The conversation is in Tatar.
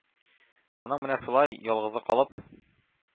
Аның менә шулай, ялгызы калып,